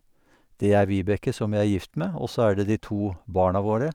Det er Vibeke, som jeg er gift med, og så er det de to barna våre.